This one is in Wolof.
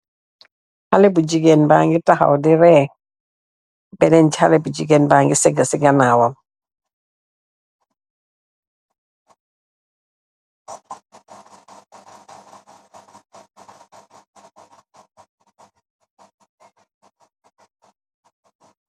Khaleh bu gigeen bi munge takhaw de ree benen khaleh bu gigeeb bi bange segah si ganawam